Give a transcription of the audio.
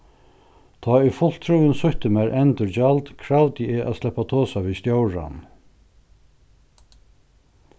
tá ið fulltrúin sýtti mær endurgjald kravdi eg at sleppa at tosa við stjóran